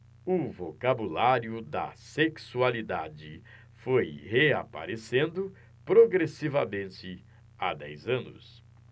o vocabulário da sexualidade foi reaparecendo progressivamente há dez anos